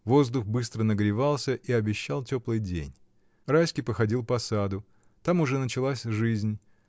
Воздух быстро нагревался и обещал теплый день. Райский походил по саду. Там уже началась жизнь